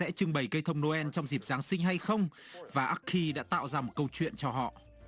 sẽ trưng bày cây thông noel trong dịp giáng sinh hay không và ắc khi đã tạo ra một câu chuyện cho họ